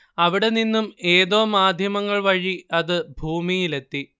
അവിടെ നിന്നും ഏതോ മാധ്യമങ്ങൾ വഴി അത് ഭൂമിയിലെത്തി